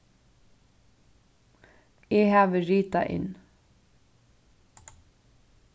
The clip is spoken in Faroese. eg havi ritað inn